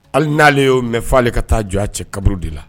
Hali n'ale y'o mɛn fɔ'ale ka taa jo a cɛ kaburu de la